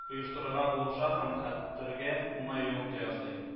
Оештырырга булыша һәм хәтергә уңай йогынты ясый